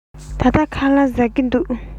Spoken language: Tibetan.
ད ལྟ ཁ ལག ཟ གི འདུག